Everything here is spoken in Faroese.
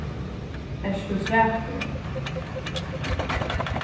ert tú svakur